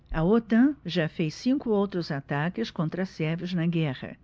a otan já fez cinco outros ataques contra sérvios na guerra